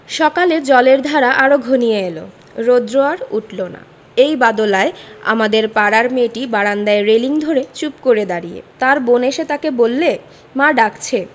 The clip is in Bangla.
সকালে জলের ধারা আরো ঘনিয়ে এল রোদ্র আর উঠল না এই বাদলায় আমাদের পাড়ার মেয়েটি বারান্দায় রেলিঙ ধরে চুপ করে দাঁড়িয়ে তার বোন এসে তাকে বললে মা ডাকছে